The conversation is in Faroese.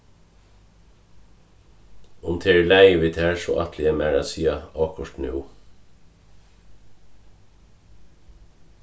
um tað er í lagi við tær so ætli eg mær at siga okkurt nú